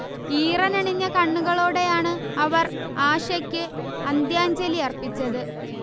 ഈറനണിഞ്ഞ കണ്ണുകളോടെയാണ് അവർ ആഷയ്ക്ക് അന്ത്യാജ്ഞലി അർപ്പിച്ചത്